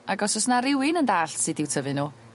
ag os o's 'na rywun yn dallt sud i'w tyfu n'w...